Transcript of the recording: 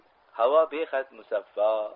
havo behad musaffo